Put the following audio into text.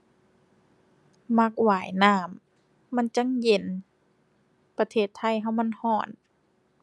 มักว่ายน้ำ มันจั่งเย็น ประเทศไทยเรามันเรา